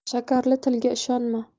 shakarli tilga ishonma